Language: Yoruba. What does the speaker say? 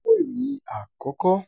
Kókó ìròyìn àkọ́kọ́